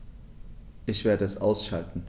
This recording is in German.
Ich werde es ausschalten